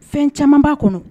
Fɛn caaman b'a kɔnɔ